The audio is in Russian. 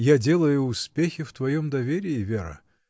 я делаю успехи в твоем доверии, Вера!